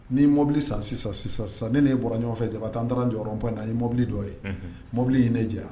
Ni mɔbili san sisan sisan san ne bɔra ɲɔgɔn fɛ cɛba taa an taara jɔyɔrɔp in na ni mobili dɔ ye mɔbili ye ne jɛ